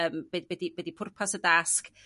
yym be 'di be 'di pwrpas y dasg